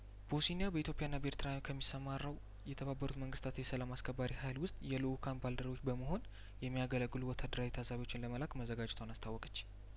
ቦሲኒ ያበኢትዮፕያና በኤርትራ ከሚሰማራው የተባበሩት መንግስታት የሰላም አስከባሪ ሀይል ውስጥ የልኡካን ባልደረቦች በመሆን የሚያገለግሉ ወታደራዊ ታዛቢዎች ለመላክ መዘጋጀቷን አስታወቀች